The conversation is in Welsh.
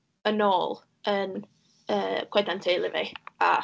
yn ôl yn yy coeden teulu fi a...